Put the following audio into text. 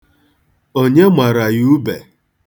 Onye mara ya ube?